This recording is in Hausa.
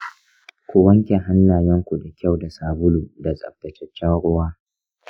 ku wanke hannayenku da kyau da sabulu da tsafataccen ruwa.